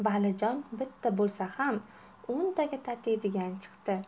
valijonim bitta bo'lsa ham o'ntaga tatiydigan chiqdi